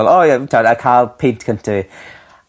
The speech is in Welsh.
fel o ie t'od a ca'l peint cynta fi.